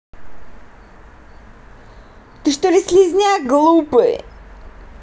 ты что ли слизняк глупый